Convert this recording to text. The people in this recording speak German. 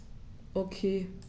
Okay.